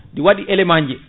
ɗi waɗi élément je